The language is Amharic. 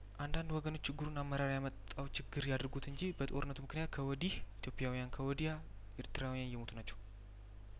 አንዳንድ ወገኖች ችግሩን አመራር ያመጣው ችግር ያድርጉት እንጂ በጦርነቱ ምክንያት ከወዲህ ኢትዮጵያውያን ከወዲያ ኤርትራውያን እየሞቱ ናቸው